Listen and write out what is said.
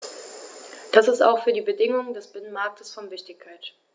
Das ist auch für die Bedingungen des Binnenmarktes von Wichtigkeit.